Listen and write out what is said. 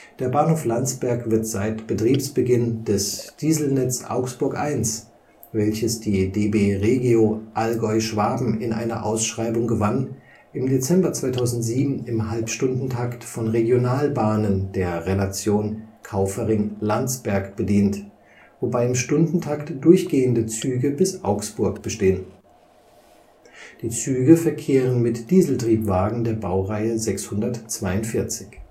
Der Bahnhof Landsberg wird seit Betriebsbeginn des Dieselnetz Augsburg 1, welches die DB Regio Allgäu-Schwaben in einer Ausschreibung gewann, im Dezember 2007 im Halbstundentakt von Regionalbahnen der Relation Kaufering – Landsberg bedient, wobei im Stundentakt durchgehende Züge bis Augsburg bestehen. Die Züge verkehren mit Dieseltriebwagen der Baureihe 642